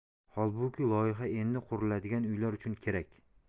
holbuki loyiha endi quriladigan uylar uchun kerak